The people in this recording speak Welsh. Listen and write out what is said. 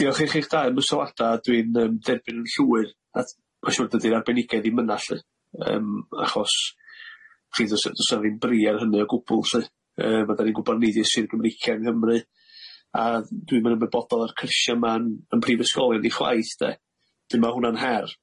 Diolch i chi'ch dau am y sylwada a dwi'n yym dderbyn yn llwyr a t- ma' siŵr dydi'r arbenigedd ddim yna lly, yym achos dwi ddo- do's na ddim brie ar hynny o gwbwl lly yy ma' da ni'n gwbod neidia Sir Gymreicia yng Nghymru a dwi'm yn ymwybodol o'r cyrsia ma'n yn prifysgolion ni chwaith de dwi'n me'wl ma' hwnna'n her.